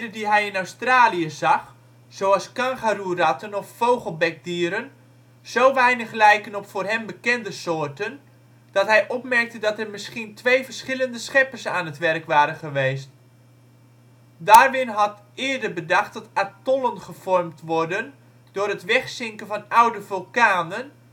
die hij in Australië zag, zoals kangoeroeratten of vogelbekdieren, zo weinig lijken op voor hem bekende soorten, dat hij opmerkte dat er misschien twee verschillende scheppers aan het werk waren geweest. Darwin had eerder bedacht dat atollen gevormd worden door het wegzinken van oude vulkanen